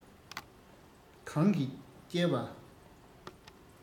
གང གིས བསྐྱལ བ